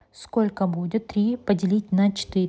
сколько будет три поделить на четыре